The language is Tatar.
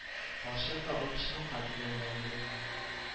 Карчык тагын почмакка тезләнгән иде